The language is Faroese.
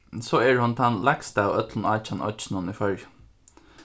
so er hon tann lægsta av øllum átjan oyggjunum í føroyum